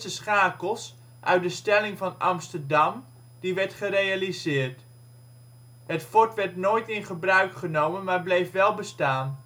schakels uit de Stelling van Amsterdam die werd gerealiseerd. Het fort werd nooit in gebruik genomen maar bleef wel bestaan